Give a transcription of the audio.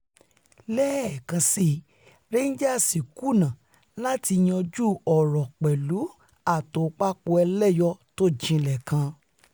Lẹ́ẹ̀kan sii Rangers kùná láti yanjú ọ̀rọ̀ pẹ̀lú àtòpapọ̀-ẹlẹ́yọ tójinlẹ̀ kan.